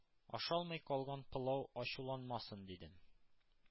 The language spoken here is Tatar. Ашалмый калган пылау ачуланмасын, дидем.